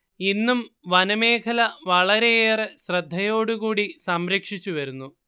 ഇന്നും വനമേഖല വളരെയേറെ ശ്രദ്ധയോടുകൂടി സംരക്ഷിച്ചു വരുന്നു